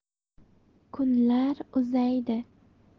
kunlar uzaydi